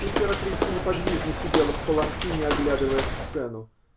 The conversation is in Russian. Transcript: Императрица неподвижно сидела в паланкине, оглядывая сцену.